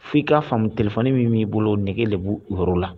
Fo' i'a faamumu tɛ min b'i bolo nɛgɛge debu u yɔrɔ la